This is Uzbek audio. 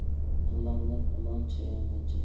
ilondan ilon chayondan chayon